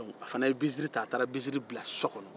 donke a fana ye binsiri ta a taara binsiri bila so kɔnɔ